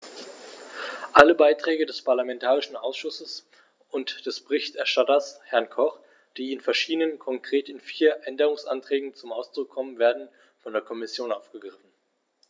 Alle Beiträge des parlamentarischen Ausschusses und des Berichterstatters, Herrn Koch, die in verschiedenen, konkret in vier, Änderungsanträgen zum Ausdruck kommen, werden von der Kommission aufgegriffen.